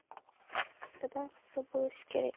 qissadan hissa bo'lishi kerak